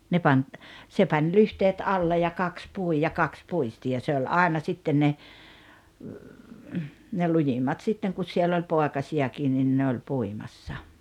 ne pani se pani lyhteet alle ja kaksi pui ja kaksi puisti ja se oli aina sitten ne ne lujimmat sitten kun siellä oli poikasiakin niin ne oli puimassa